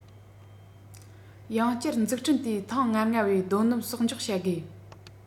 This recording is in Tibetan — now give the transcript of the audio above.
ཡང བསྐྱར འཛུགས སྐྲུན དུས ཐེངས ༥༥ པའི ཀྱི རྡོ སྣུམ གསོག འཇོག བྱ དགོས